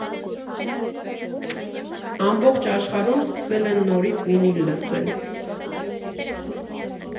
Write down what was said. Ամբողջ աշխարհում սկսել են նորից վինիլ լսել։